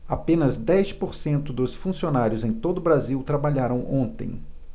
apenas dez por cento dos funcionários em todo brasil trabalharam ontem